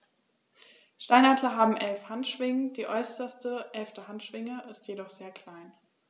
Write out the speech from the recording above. Steinadler haben 11 Handschwingen, die äußerste (11.) Handschwinge ist jedoch sehr klein.